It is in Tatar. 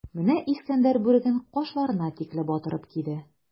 Менә Искәндәр бүреген кашларына тикле батырып киде.